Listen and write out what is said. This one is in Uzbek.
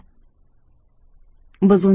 biz unga